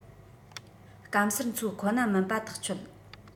སྐམ སར འཚོ ཁོ ན མིན པ ཐག ཆོད